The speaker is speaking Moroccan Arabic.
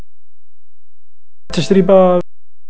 تسريبات